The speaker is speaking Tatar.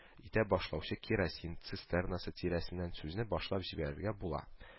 Итә башлаучы керосин цистернасы тирәсеннән сүзне башлап җибәрергә була